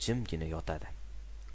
jimgina yotadi